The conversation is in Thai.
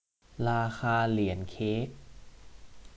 ราคาเหรียญเค้ก